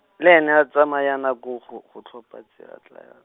le ena a tsamaya nako go, go tlhopha tse a tla ya.